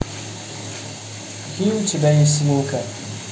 какие у тебя есть свинка